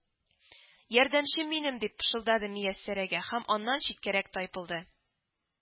—ярдәмчем минем,—дип пышылдады мияссәрә һәм аннан читкәрәк тайпылды